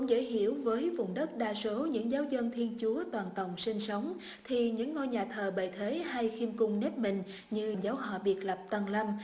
dễ hiểu với vùng đất đa số những giáo dân thiên chúa toàn tòng sinh sống thì những ngôi nhà thờ bề thế hay khiêm cung nép mình như giáo họ biệt lập tầng lâm